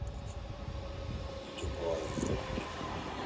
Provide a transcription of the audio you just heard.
ютуб оазис любви